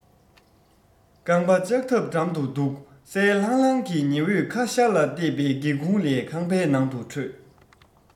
རྐང པ ལྕགས ཐབ འགྲམ དུ འདུག གསལ ལྷང ལྷང གི ཉི འོད ཁ ཤར ལ གཏད པའི སྒེའུ ཁུང ལས ཁང པའི ནང དུ འཕྲོས